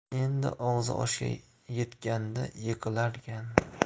endi og'zi oshga yetganda yiqilarkan